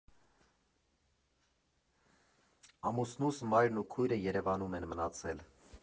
Ամուսնուս մայրն ու քույրը Երևանում են մնացել։